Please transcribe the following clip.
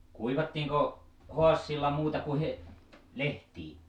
kuivattiinko haasialla muuta kuin - lehtiä